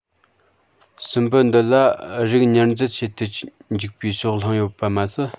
སྲིན འབུ འདི ལ རིགས ཉར འཛིན བྱེད དུ འཇུག པའི ཕྱོགས ལྷུང ཡོད པ མ ཟད